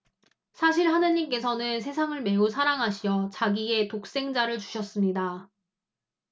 사실 하느님께서는 세상을 매우 사랑하시어 자기의 독생자를 주셨습니다